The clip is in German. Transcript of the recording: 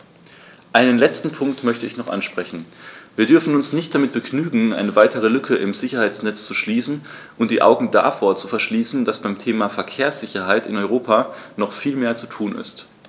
Einen letzten Punkt möchte ich noch ansprechen: Wir dürfen uns nicht damit begnügen, eine weitere Lücke im Sicherheitsnetz zu schließen und die Augen davor zu verschließen, dass beim Thema Verkehrssicherheit in Europa noch viel mehr zu tun ist.